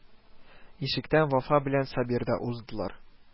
Ишектән Вафа белән Сабир да уздылар